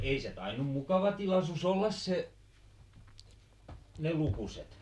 ei se tainnut mukava tilaisuus olla se ne lukuset